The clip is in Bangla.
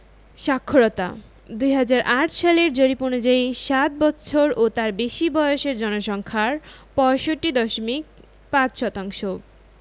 সাক্ষরতাঃ ২০০১ সালের জরিপ অনুযায়ী সাত বৎসর ও তার বেশি বয়সের জনসংখ্যার ৬৫.৫ শতাংশ